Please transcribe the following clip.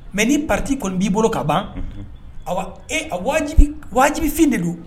Mɛ ni pati kɔni b'i bolo ka ban wajibifin de don